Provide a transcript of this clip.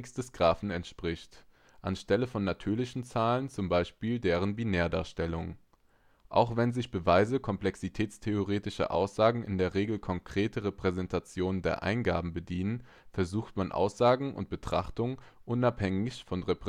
des Graphen entspricht, an Stelle von natürlichen Zahlen zum Beispiel deren Binärdarstellung. Auch wenn sich Beweise komplexitätstheoretischer Aussagen in der Regel konkreter Repräsentationen der Eingabe bedienen, versucht man Aussagen und Betrachtung unabhängig von Repräsentationen